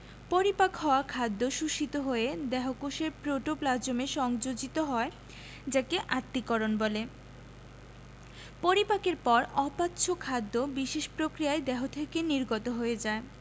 পরিপাক হওয়া খাদ্য শোষিত হয়ে দেহকোষের প্রোটোপ্লাজমে সংযোজিত হয় যাকে আত্তীকরণ বলে পরিপাকের পর অপাচ্য খাদ্য বিশেষ প্রক্রিয়ায় দেহ থেকে নির্গত হয়ে যায়